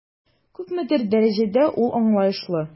Күпмедер дәрәҗәдә ул аңлаешлы.